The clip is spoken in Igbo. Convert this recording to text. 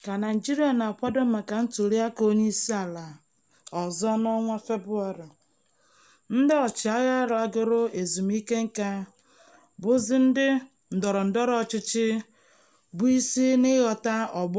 Ka Naịjirịa na-akwado maka ntụliaka onyeisi ala ọzọ n'ọnwa Febụwarị, ndị ọchịagha lagoro ezumike nka bụzị ndị ndọrọ ndọrọ ọchịchị bụ isi n'ịghọta ọgbọ ndọrọ ndọrọ ọchịchị Naijiria.